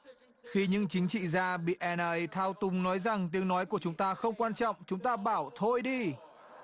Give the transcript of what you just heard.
khi những chính trị gia bị e nai thao túng nói rằng tiếng nói của chúng ta không quan trọng chúng ta bảo thôi đi